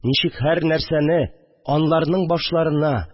Ничек һәр нәрсәне аларның башларына